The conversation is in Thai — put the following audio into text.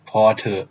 พอเถอะ